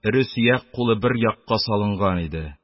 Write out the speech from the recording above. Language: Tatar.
Эре сөякле кулы бер якка салынган иде.